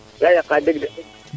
ga yaqa deg de